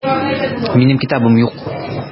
Минем китабым юк.